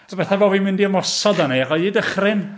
So fatha bo fi'n mynd i ymosod arni, ach- oedd hi 'di dychryn.